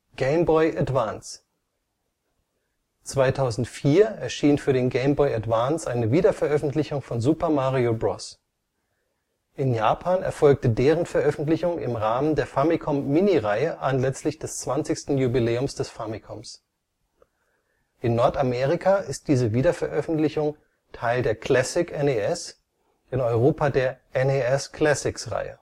Game Boy Advance 2004 erschien für den Game Boy Advance eine Wiederveröffentlichung von Super Mario Bros. In Japan erfolgte deren Veröffentlichung im Rahmen der Famicom-Mini-Reihe anlässlich des 20. Jubiläums des Famicoms. In Nordamerika ist diese Wiederveröffentlichung Teil der Classic-NES -, in Europa der NES-Classics-Reihe